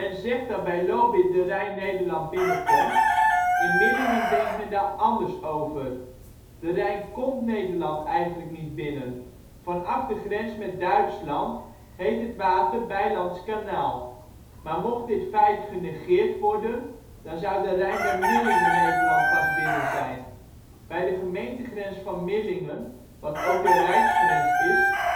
zegt dat bij Lobith de Rijn Nederland binnenkomt. In Millingen denkt men daar anders over. De Rijn kómt Nederland eigenlijk niet binnen. Vanaf de grens met Duitsland heet het water Bijlandsch Kanaal. Maar mocht dit feit genegeerd worden, zou de Rijn bij Millingen Nederland pas binnen zijn. Bij de gemeentegrens van Millingen, wat ook de rijksgrens is, is